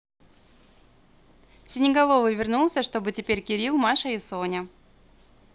сиреноголовый вернулся чтобы теперь кирилл маша и соня